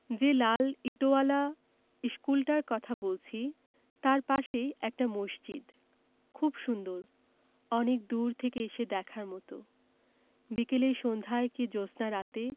যে লাল ইটোয়ালা ইশকুলটার কথা বলছি তাই পাশেই একটা মসজিদ খুব সুন্দর অনেক দূর থেকে এসে দেখার মতো বিকেলে সন্ধায় কি জ্যোৎস্নারাতে